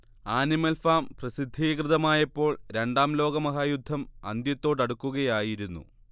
animal Farm പ്രസിദ്ധീകൃതമായപ്പോൾ രണ്ടാം ലോകമഹായുദ്ധം അന്ത്യത്തോടടുക്കുകയായിരുന്നു